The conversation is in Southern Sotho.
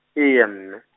eya mme.